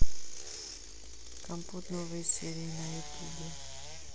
компот новые серии на ютубе